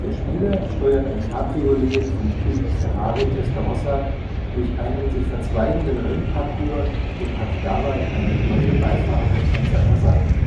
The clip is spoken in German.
Spieler steuert ein Cabriolet vom Typ Ferrari Testarossa durch einen sich verzweigenden Rennparcours und hat dabei eine blonde Beifahrerin an seiner Seite